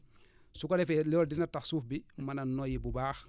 su ko defee loolu dina tax suuf bi mën a noyyi bu baax